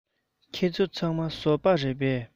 ཁྱེད ཚོ ཚང མ བཟོ པ རེད པས